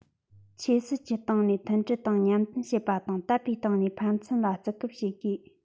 ཆས སྲིད ཀྱི སྟེང ནས མཐུན སྒྲིལ དང མཉམ མཐུན བྱེད པ དང དད པའི སྟེང ནས ཕན ཚུན ལ བརྩི བཀུར བྱེད དགོས